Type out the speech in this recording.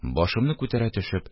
Башымны күтәрә төшеп